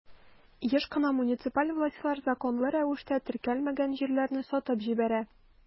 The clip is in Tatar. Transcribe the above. Еш кына муниципаль властьлар законлы рәвештә теркәлмәгән җирләрне сатып җибәрә.